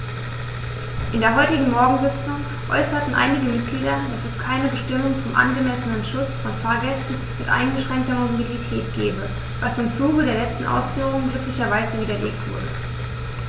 In der heutigen Morgensitzung äußerten einige Mitglieder, dass es keine Bestimmung zum angemessenen Schutz von Fahrgästen mit eingeschränkter Mobilität gebe, was im Zuge der letzten Ausführungen glücklicherweise widerlegt wurde.